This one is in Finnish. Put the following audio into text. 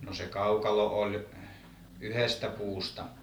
no se kaukalo oli yhdestä puusta